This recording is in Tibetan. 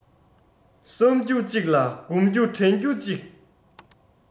བསམ རྒྱུ གཅིག ལ བསྒོམ རྒྱུ དྲན རྒྱུ གཅིག